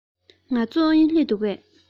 ངལ རྩོལ ཨུ ཡོན སླེབས འདུག གས